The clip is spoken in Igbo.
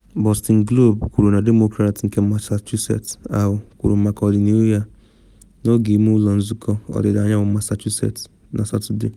Boston Globe kwuru na Demokrat nke Massachusetts ahụ kwuru maka ọdịnihu ya n’oge ime ụlọ nzụkọ n’ọdịda anyanwụ Massachusetts na Satọde.